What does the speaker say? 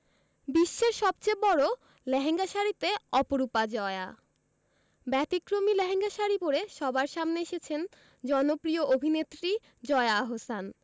বিশ্বের সবচেয়ে বড় লেহেঙ্গা শাড়িতে অপরূপা জয়া ব্যতিক্রমী লেহেঙ্গা শাড়ি পরে সবার সামনে এসেছেন জনপ্রিয় অভিনেত্রী জয়া আহসান